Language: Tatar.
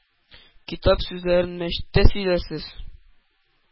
-китап сүзләрен мәчеттә сөйләрсез,